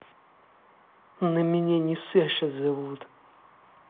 на меня не саша зовут